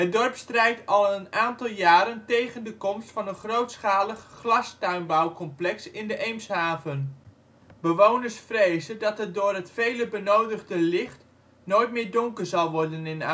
dorp strijdt al een aantal jaren tegen de komst van een grootschalig glastuinbouwcomplex in de Eemshaven. Bewoners vrezen dat het door het vele benodigde licht nooit meer donker zal worden in